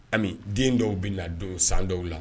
Kabini den dɔw bɛ na don san dɔw la